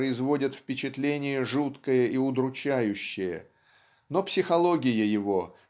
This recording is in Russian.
производят впечатление жуткое и удручающее но психология его